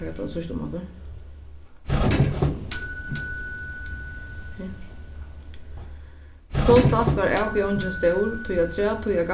taka tað síðsta umaftur ja sostatt var avbjóðingin stór tí afturat tí at